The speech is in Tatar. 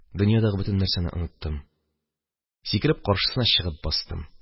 Дөньядагы бөтен нәрсәне оныттым, сикереп каршысына чыгып бастым.